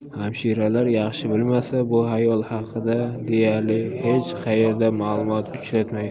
hamshiralar yaxshi bilmasa bu ayol haqida deyarli hech qayerda ma'lumot uchratmaysiz